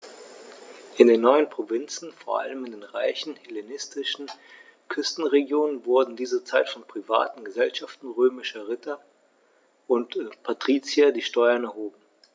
In den neuen Provinzen, vor allem in den reichen hellenistischen Küstenregionen, wurden in dieser Zeit von privaten „Gesellschaften“ römischer Ritter und Patrizier die Steuern erhoben.